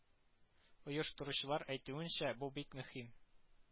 Оештыручылар әйтүенчә, бу бик мөһим